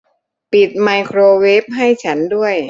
ปิดไมโครเวฟให้ฉันด้วย